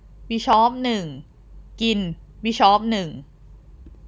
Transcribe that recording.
บืชอปหนึ่งกินบิชอปหนึ่ง